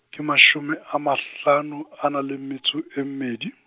ke mashome a mahlano, a naleng metso, e mmedi.